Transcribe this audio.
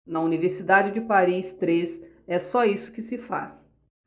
na universidade de paris três é só isso que se faz